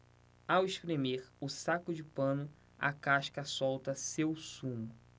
ao espremer o saco de pano a casca solta seu sumo